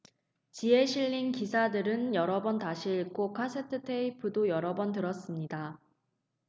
지에 실린 기사들을 여러 번 다시 읽고 카세트테이프도 여러 번 들었습니다